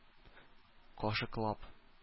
Кашыклап